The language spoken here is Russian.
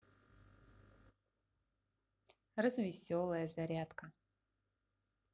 развеселая зарядка